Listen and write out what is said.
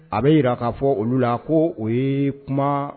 A bɛ jira k'a fɔ olu la ko o ye kuma,